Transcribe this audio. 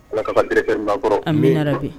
Ala ka bererinbakɔrɔ min